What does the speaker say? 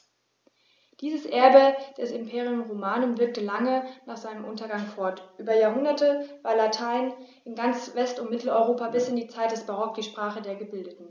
Dieses Erbe des Imperium Romanum wirkte lange nach seinem Untergang fort: Über Jahrhunderte war Latein in ganz West- und Mitteleuropa bis in die Zeit des Barock die Sprache der Gebildeten.